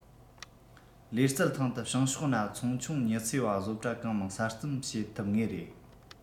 ལུས རྩལ ཐང དུ བྱང ཕྱོགས ན ཚོང ཆུང ཉི ཚེ བ བཟོ གྲྭ གང མང གསར རྩོམ བྱེད ཐུབ ངེས རེད